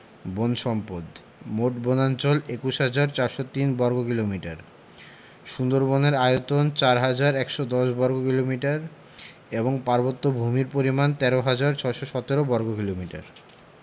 বন সম্পদঃ মোট বনাঞ্চল ২১হাজার ৪০৩ বর্গ কিলোমিটার সুন্দরবনের আয়তন ৪হাজার ১১০ বর্গ কিলোমিটার এবং পার্বত্য বনভূমির পরিমাণ ১৩হাজার ৬১৭ বর্গ কিলোমিটার